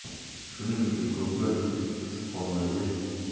shuning uchun ko'plab yetuk kitobxonlarga